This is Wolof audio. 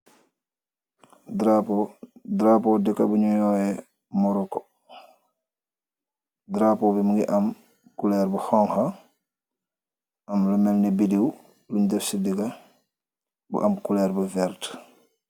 Drapeau, drapeau dehkah bu njui worweh Morocco, drapeau bi mungy am couleur bu honha, am lu melni bidew bungh def ci digah bu am couleur bu vert.